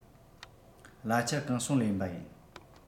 གླ ཆ གང བྱུང ལེན པ ཡིན